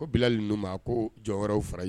Ko bilalen ninnu ma ko jɔyɔrɔw fara